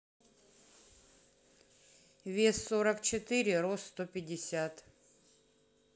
вес сорок четыре рост сто пятьдесят